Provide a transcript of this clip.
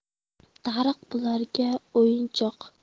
tarix bularga o'yinchoq